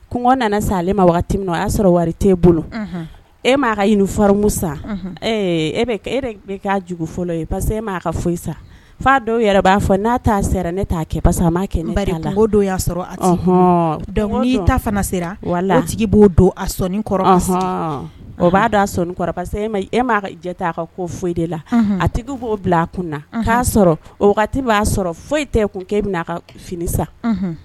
Kɔngɔ nana sa ale ma min o y'a sɔrɔ wari bolo e ma kafamu san e e k' fɔlɔ pa e'a foyi sa fa dɔw yɛrɛ b'a fɔ n'a ta sera ne t'a kɛ pa a m ma ne o y'a sɔrɔ a sera wala a tigi b'o don a kɔrɔ o b'a a kɔrɔ e m'a a ko foyi de la a tigi b'o bila a kun na sɔrɔ b'a sɔrɔ foyi tɛ kun k' e bɛna ka fini sa